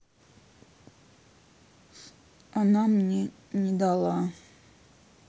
она мне не дала